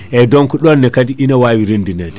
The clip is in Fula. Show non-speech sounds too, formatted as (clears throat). eyyi donc ɗonne kaadi ine wawi rendinede (clears throat)